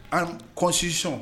An constitution